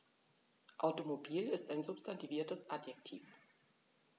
Automobil ist ein substantiviertes Adjektiv.